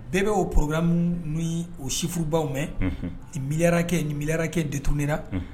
Bɛɛ bɛ'o poro ye o sifubaw mɛn nin mi ninrakɛ detununiina